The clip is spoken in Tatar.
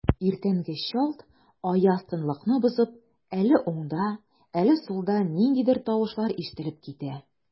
Иртәнге чалт аяз тынлыкны бозып, әле уңда, әле сулда ниндидер тавышлар ишетелеп китә.